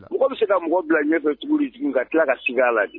Mɔgɔ bɛ se ka mɔgɔ bila ɲɛfɛ cogo jigin ka tila ka sin' lajɛ